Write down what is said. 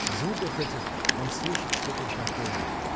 В звуках этих он слышит что-то знакомое